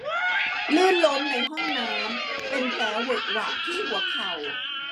ลื่นล้มในห้องน้ำเป็นแผลเหวอะหวะที่หัวเข่า